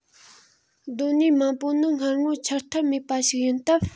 གདོད ནུས མང པོ ནི སྣང ངོར འཆར ཐབས མེད པ ཞིག ཡིན སྟབས